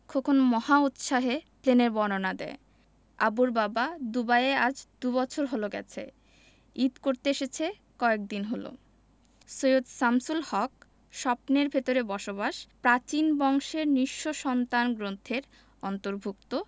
খোকন মহা উৎসাহে প্লেনের বর্ণনা দেয় আবুর বাবা দুবাইতে আজ দুবছর হলো গেছে ঈদ করতে এসেছে কয়েকদিন হলো সৈয়দ শামসুল হক স্বপ্নের ভেতরে বসবাস প্রাচীন বংশের নিঃস্ব সন্তান গ্রন্থের অন্তর্ভুক্ত